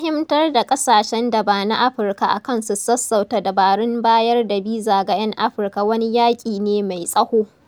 Fahimtar da ƙasashen da ba na Afirka a kan su sassauta dabarun bayar da biza ga 'yan Afirka wani yaƙi ne mai tsaho.